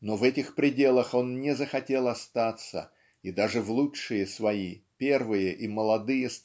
но в этих пределах он не захотел остаться и даже в лучшие свои первые и молодые